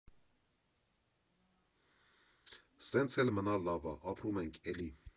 Սենց էլ մնա լավ ա, ապրում ենք էլի…